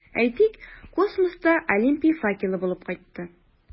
Әйтик, космоста Олимпия факелы булып кайтты.